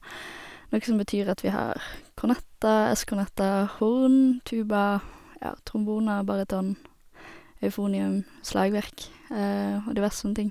Noe som betyr at vi har kornetter, ess-kornetter, horn, tuba, ja, tromboner, baryton, eufonium, slagverk og diverse sånne ting.